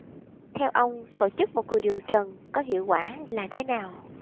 theo ông tổ chức một cuộc điều trần có hiệu quả là thế nào